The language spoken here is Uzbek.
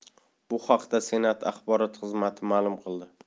bu haqda senat axborot xizmati ma'lum qildi